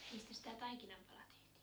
mistäs tämä taikinanpala tehtiin